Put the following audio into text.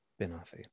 Be' wnaeth hi?